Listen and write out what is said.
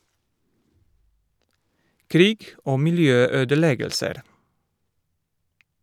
Krig og miljøødeleggelser.